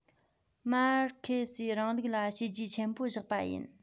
མར ཁེ སིའི རིང ལུགས ལ བྱས རྗེས ཆེན པོ བཞག པ ཡིན